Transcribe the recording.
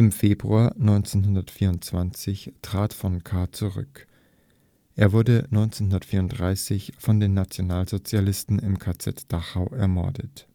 Februar 1924 trat von Kahr zurück, er wurde 1934 von den Nationalsozialisten im KZ Dachau ermordet